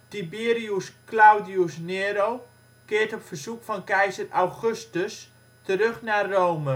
Tiberius Claudius Nero keert op verzoek van keizer Augustus terug naar Rome